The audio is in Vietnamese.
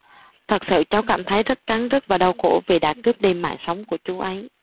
thật sự cháu cảm thấy rất cắn rứt và đau khổ vì đã cướp đi mạng sống của chú ấy